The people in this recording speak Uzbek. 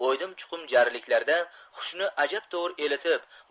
o'ydim chuqur jarliklarda hushni ajabtovur elitib